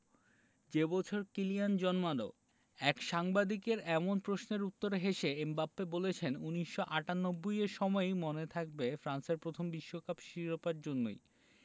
যে বছর কিলিয়ান জন্মাল এক সাংবাদিকের এমন প্রশ্নের উত্তরে হেসে এমবাপ্পে বলেছেন ১৯৯৮ এ সময়ই মনে থাকবে ফ্রান্সের প্রথম বিশ্বকাপ শিরোপার জন্যই